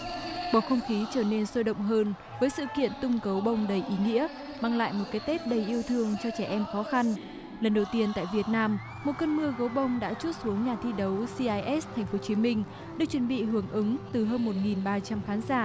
bầu không khí trở nên sôi động hơn với sự kiện tung gấu bông đầy ý nghĩa mang lại một cái tết đầy yêu thương cho trẻ em khó khăn lần đầu tiên tại việt nam một cơn mưa gấu bông đã trút xuống nhà thi đấu si ai ét thành phố hồ chí minh được chuẩn bị hưởng ứng từ hơn một nghìn ba trăm khán giả